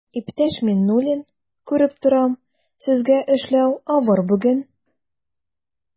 Иптәш Миңнуллин, күреп торам, сезгә эшләү авыр бүген.